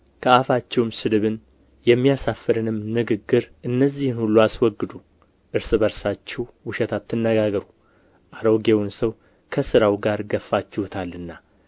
ከአፋችሁም ስድብን የሚያሳፍርንም ንግግር እነዚህን ሁሉ አስወግዱ እርስ በርሳችሁ ውሸት አትነጋገሩ አሮጌውን ሰው ከሥራው ጋር ገፋችሁታልና